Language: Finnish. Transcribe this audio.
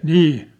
niin